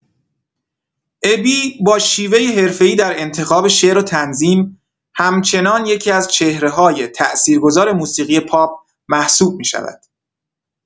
ابی با شیوه‌ای حرفه‌ای در انتخاب شعر و تنظیم، همچنان یکی‌از چهره‌های تأثیرگذار موسیقی پاپ محسوب می‌شود.